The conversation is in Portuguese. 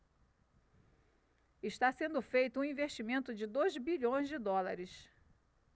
está sendo feito um investimento de dois bilhões de dólares